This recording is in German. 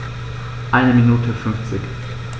Eine Minute 50